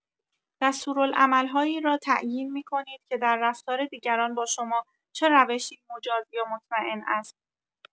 دستورالعمل‌هایی را تعیین می‌کنید که در رفتار دیگران با شما چه روشی مجاز یا مطمئن است.